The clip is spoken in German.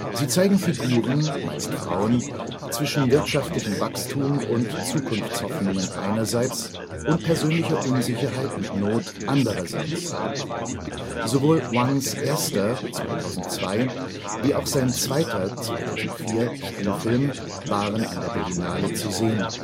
Sie zeigen Figuren, meist Frauen, zwischen wirtschaftlichem Wachstum und Zukunftshoffnungen einerseits und persönlicher Unsicherheit und Not anderseits. Sowohl Wangs erster (2002) wie auch sein zweiter (2004) Spielfilm waren an der Berlinale zu sehen